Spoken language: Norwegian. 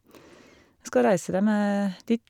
Jeg skal reise der med dit...